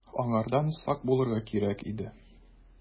Аңардан сак булырга кирәк иде.